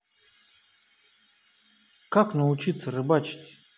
как научиться рыбачить